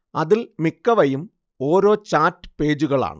അതിൽ മിക്കവയും ഓരോ ചാറ്റ് പേജുകളാണ്